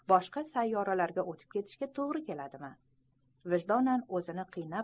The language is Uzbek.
boshqa sayyoralarga o'tib ketishga to'g'ri keladimi